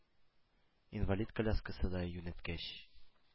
Инвалид коляскасы да юнәткәч,